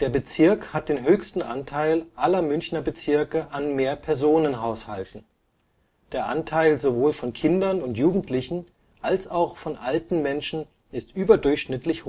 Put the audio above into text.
Bezirk hat den höchsten Anteil aller Münchner Bezirke an Mehrpersonen-Haushalten. Der Anteil sowohl von Kindern und Jugendlichen als auch von alten Menschen ist überdurchschnittlich